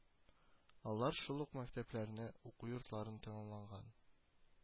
Алар шул ук мәктәпләрне, уку йортларын тәмамлаган